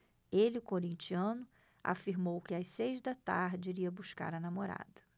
ele corintiano afirmou que às seis da tarde iria buscar a namorada